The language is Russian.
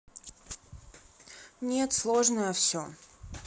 нет сложное все